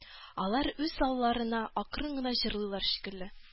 Алар үз алларына акрын гына җырлыйлар шикелле